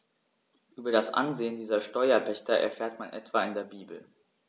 Über das Ansehen dieser Steuerpächter erfährt man etwa in der Bibel.